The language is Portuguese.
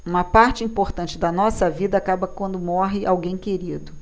uma parte importante da nossa vida acaba quando morre alguém querido